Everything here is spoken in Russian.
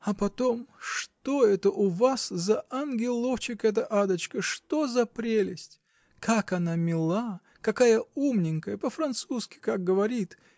-- А потом, что это у вас за ангелочек эта Адочка, что за прелесть! Как она мила, какая умненькая по-французски как говорит